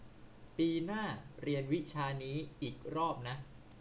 ปีหน้าเรียนวิชานี้อีกรอบนะ